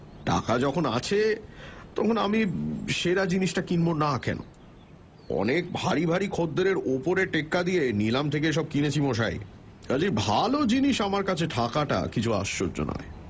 টাকা যখন আছে তখন আমি সেরা জিনিসটা কিনব না কেন অনেক ভারী ভারী খদ্দেরের উপরে টেক্কা দিয়ে নিলাম থেকে এ সব কিনেছি মশাই কাজেই ভাল জিনিস আমার কাছে থাকাটা কিছু আশ্চর্য নয়